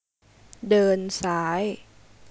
เดินซ้าย